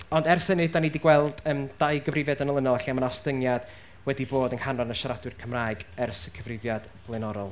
Ond, ers hynny, dan ni 'di gweld yym dau gyfrifiad yn olynol lle ma' 'na ostyngiad wedi bod yng nghanran y siaradwyr Cymraeg ers y cyfrifiad blaenorol.